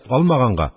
Алмаганга